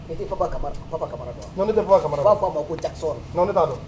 Ne' ka dɔn n ne tɛ fɔ ka kama b'a fɔ ma ko da sɔrɔ nɔn ne t'a dɔn